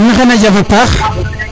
maxey na jama paax